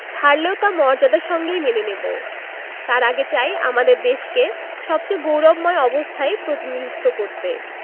হারলেও তা মর্যাদার সঙ্গেই মেনে নেব তার আগে চাই আমাদের দেশকে সবচেয়ে গৌরবময় অবস্থায় প্রতিনিধিত্ব করতে